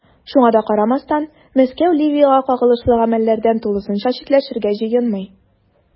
Шуңа да карамастан, Мәскәү Ливиягә кагылышлы гамәлләрдән тулысынча читләшергә җыенмый.